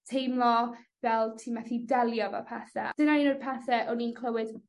teimlo fel ti methu delio efo pethe. Dyna un o'r pethe o'n i'n clywed